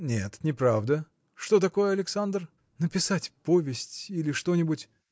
– Нет, неправда; что такое, Александр? – Написать повесть или что-нибудь.